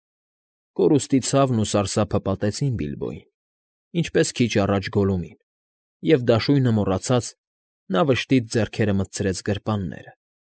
Կորուստի ցավն ու սարսափը պատեցին Բիլբոյին, ինչպես քիչ առաջ Գոլլումին և, դաշույնը մոռացած, նա վշտից ձեռքերը մտցրեց գրպանները։